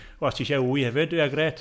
Wel os tisio wŷ hefyd, ie grêt.